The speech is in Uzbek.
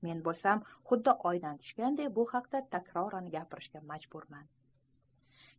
men bo'lsam xuddi oydan tushganday bu haqda takroran gapirishga majburman